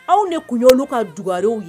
Aw de kunyli ka dugw ye